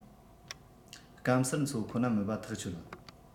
སྐམ སར འཚོ ཁོ ན མིན པ ཐག ཆོད